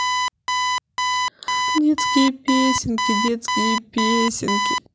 детские песенки детские песенки